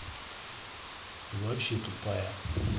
ты вообще тупая